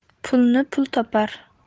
pulni pul topar